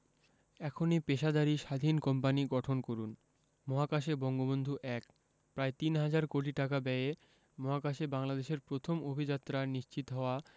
এখনই পেশাদারি স্বাধীন কোম্পানি গঠন করুন মহাকাশে বঙ্গবন্ধু ১ প্রায় তিন হাজার কোটি টাকা ব্যয়ে মহাকাশে বাংলাদেশের প্রথম অভিযাত্রা নিশ্চিত হওয়া